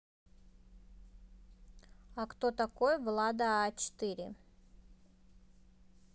а кто такой влада а четыре